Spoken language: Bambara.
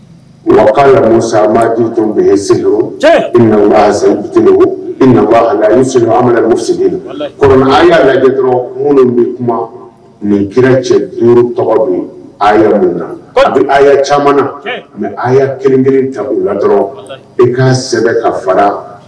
' lamɔ bɛ z sigilen a y'a lajɛ dɔrɔn minnu bɛ kuma ni kira cɛ duuru tɔgɔ bɛ a min na bi caman mɛ a kelenkelen ta la dɔrɔn i'a sɛbɛn ka fara